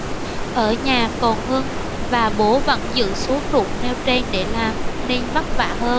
ở nhà còn hưng và bố vẫn giữ số ruộng nêu trên để làm nên vất vả hơn